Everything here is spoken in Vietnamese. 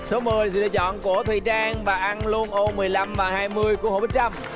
số mười sự lựa chọn của thùy trang và ăn luôn ô mười lăm và hai mươi của hồ bích trâm